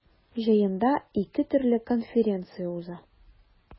Җыенда ике төрле конференция уза.